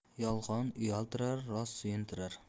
yolg'on uyaltirar rost suyuntirar